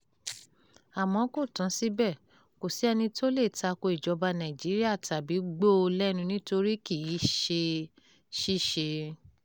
Àmọ́ kò tán síbẹ̀, kò sí ẹní tó lè tako ìjọba Nàìjíríà tàbí gbó o lẹ́nu nítorí kì í ṣ'àṣìṣe.